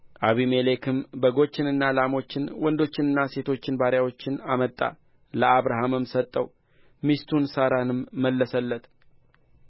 አቢሜሌክም በጎችንና ላሞችን ወንዶችና ሴቶች ባሪያዎችን አመጣ ለአብርሃምም ሰጠው ሚስቱን ሣራንም መለሰለት